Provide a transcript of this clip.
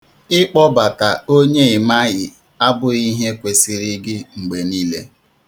Ikpọbata onye ịmaghị abụghị ihe kwesịrị gị mgbe niile.